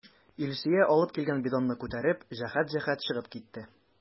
Илсөя алып килгән бидонны күтәреп, җәһәт-җәһәт чыгып китте.